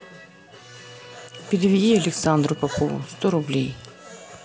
переведи александру попову сто рублей